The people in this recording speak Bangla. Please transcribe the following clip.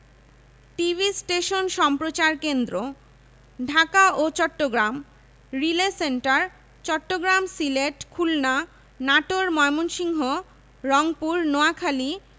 টিভি স্টেশন সম্প্রচার কেন্দ্রঃ ঢাকা ও চট্টগ্রাম রিলে সেন্টার চট্টগ্রাম সিলেট খুলনা নাটোর ময়মনসিংহ রংপুর নোয়াখালী